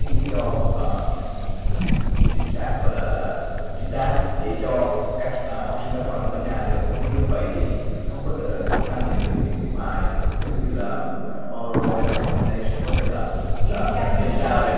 lý do ờ chính xác là là là chính đáng để cho các học sinh đòi hỏi ở nhà được nhưng mà như vậy thì không có để tham dự được nhận viết bài giống như là là ơ rô ách minh si lây sừn có nghĩa là là kiểm tra về miệng